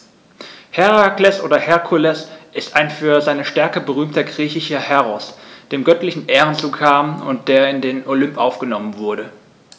Herakles oder Herkules ist ein für seine Stärke berühmter griechischer Heros, dem göttliche Ehren zukamen und der in den Olymp aufgenommen wurde.